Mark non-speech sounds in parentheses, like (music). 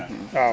(crosstalk) (hesitation) (hesitation)